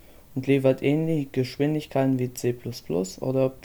und liefert ähnliche Geschwindigkeiten wie C++ - oder